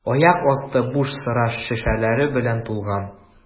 Аяк асты буш сыра шешәләре белән тулган.